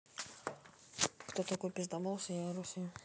кто такой пиздабол всея руси